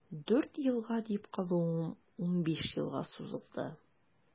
Дүрт елга дип калуым унбиш елга сузылды.